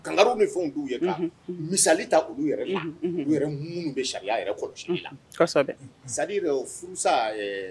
Kanw bɛ fɛn b'u yɛrɛ misali ta oluu yɛrɛ la u yɛrɛ minnu bɛ sariya yɛrɛ kɔlɔsi sa yɛrɛ o furusa